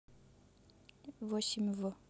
восемь в